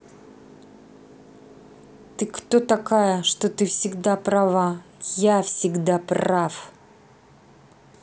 ты кто такая что ты всегда права я всегда прав